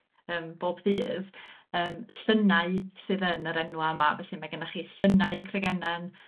yym bob dydd yym llynnau sydd yn yr enwa' yma , felly ma' gennach chi Llynnau Cregennan